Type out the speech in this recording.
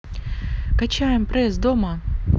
качаем пресс дома